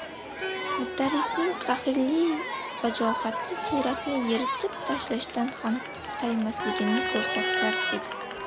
mudarrisning qahrli vajohati suratni yirtib tashlashdan ham toymasligini ko'rsatar edi